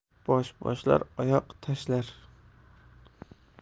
bosh boshlar oyoq tashlar